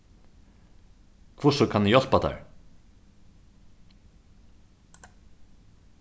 hvussu kann eg hjálpa tær